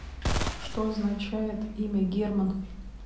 что означает имя герман